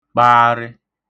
kpaarị